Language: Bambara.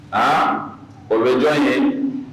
A o bɛ jɔn ye